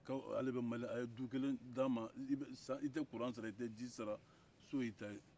a ye du kelen d'an ma i tɛ kuran sara i tɛ ji sara so y'i ta ye